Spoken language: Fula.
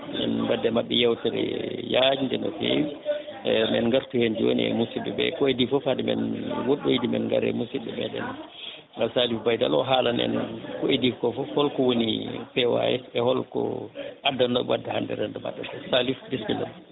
min badde mabɓe yewtere yajde no fewi e men gartun hen joni e musibɓeɓe ko iidi foof haade men woɗɗoyde men gaar e musidɗo meɗen Salif Baydal o halana en ko iidi ko foof holko woni PAS e holko addannoɓe wadde hande rendo mabɓe ngo Salif bisimilla ma